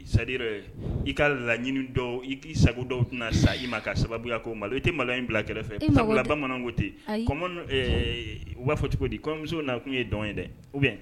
C'est à dire euh i ka laɲini dɔw i k'i sago dɔw tɛna sa i ma ka sababuya k'o malo ye i tɛ malo in bila kɛrɛfɛ sabula bamananw kote kɔmɔ n ɛɛ u b'a fɔ cogo di kɔɲɔmuso na kun ye dɔn ye dɛ ou bien